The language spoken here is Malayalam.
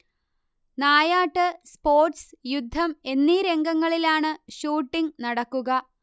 നായാട്ട്, സ്പോർട്സ്, യുദ്ധം എന്നീ രംഗങ്ങളിലാണ് ഷൂട്ടിംഗ് നടക്കുക